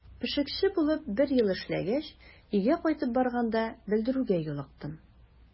Пешекче булып бер ел эшләгәч, өйгә кайтып барганда белдерүгә юлыктым.